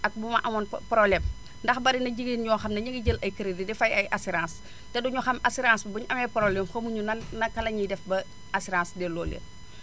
ak bu ma amoon pro problème ndax bari na jigéen ñoo xam ne ñu ngi jël ay crédit di fay ay assurances te duñu xam assurance bi buñu amee problème xamuñu nan naka lañuy def ba assurance bi delloo leen